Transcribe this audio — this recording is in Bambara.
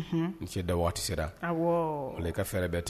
N ce da waati sera ale ka fɛrɛɛrɛ bɛɛ ten